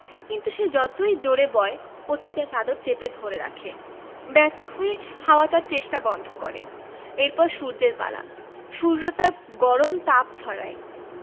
কিন্তু সে যতই জোড়ে বয় পথিক তার চাদর চেপে ধরে রাখে ব্যর্থ হয়ে হাওয়া তার চেষ্টা বন্ধ করে এর পর সূর্যের পালা সূর্য তার গরম তাপ ছড়ায়